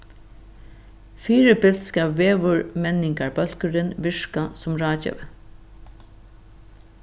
fyribils skal veðurmenningarbólkurin virka sum ráðgevi